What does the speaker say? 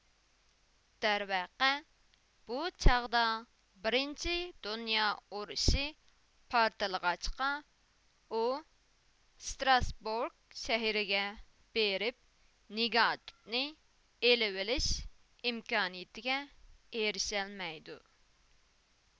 دەرۋەقە بۇ چاغدا بىرىنچى دۇنيا ئۇرۇشى پارتلىغاچقا ئۇ ستراسبۇرگ شەھىرىگە بېرىپ نېگاتىپنى ئېلىۋېلىش ئىمكانىيىتىگە ئېرىشەلمەيدۇ